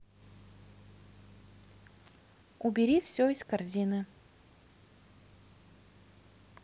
убери все из корзины